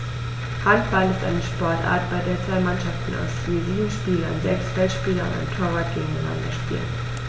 Handball ist eine Sportart, bei der zwei Mannschaften aus je sieben Spielern (sechs Feldspieler und ein Torwart) gegeneinander spielen.